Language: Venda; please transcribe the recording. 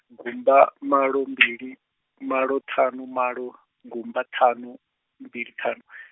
gumba malo mbili, malo ṱhanu malo, gumba ṱhanu, mbili ṱhanu .